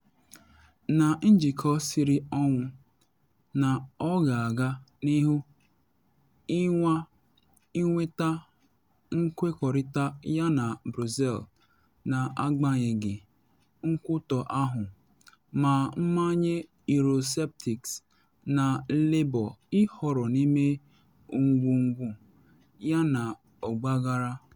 Ndị njikọ siri ọnwụ na ọ ga-aga n’ihu ịnwa ịnweta nkwekọrịta yana Brussels na agbanyeghị nkwutọ ahụ - ma manye Eurosceptics na Labour ịhọrọ n’ime ngwungwu ya na ‘ọgbaghara’.